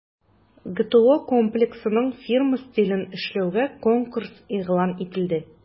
ГТО Комплексының фирма стилен эшләүгә конкурс игълан ителде.